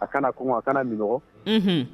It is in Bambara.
A kana kɔngɔ a kana minnɔgɔ